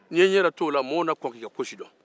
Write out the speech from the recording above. ni n'ye n'yɛrɛ to o la mɔgɔw na kɔn k'i ka ko si dɔ